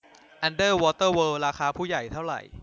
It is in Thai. อันเดอร์วอเตอร์เวิล์ดราคาผู้ใหญ่เท่าไหร่